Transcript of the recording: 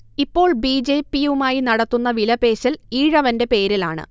ഇപ്പോൾ ബിജെപിയുമായി നടത്തുന്ന വിലപേശൽ ഈഴവന്റെ പേരിലാണ്